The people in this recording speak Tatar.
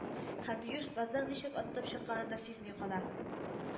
Һәм Биюш баздан ничек атылып чыкканын да сизми дә кала